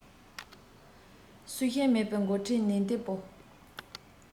སོག ཤིང མེད པའི འགོ ཁྲིད ནི ཏེན པོ